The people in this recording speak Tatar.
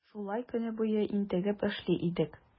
Шулай көне буе интегеп эшли идек.